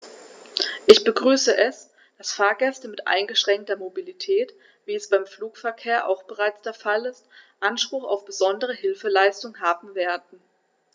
Ich begrüße es, dass Fahrgäste mit eingeschränkter Mobilität, wie es beim Flugverkehr auch bereits der Fall ist, Anspruch auf besondere Hilfeleistung haben werden.